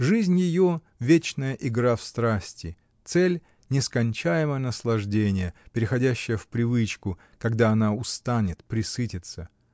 Жизнь ее — вечная игра в страсти, цель — нескончаемое наслаждение, переходящее в привычку, когда она устанет, пресытится.